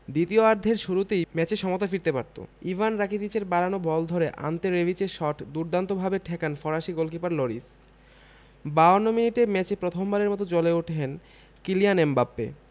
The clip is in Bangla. দ্বিতীয়ার্ধের শুরুতেই ম্যাচে সমতা ফিরতে পারত ইভান রাকিতিচের বাড়ানো বল ধরে আন্তে রেবিচের শট দুর্দান্তভাবে ঠেকান ফরাসি গোলকিপার লরিস ৫২ মিনিটে ম্যাচে প্রথমবারের মতো জ্বলে উঠেন কিলিয়ান এমবাপ্পে